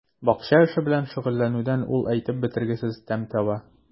Бакча эше белән шөгыльләнүдән ул әйтеп бетергесез тәм таба.